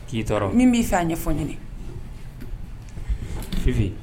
K'i tɔɔrɔ min b'i fɛ ye ɲɛfɔ ɲini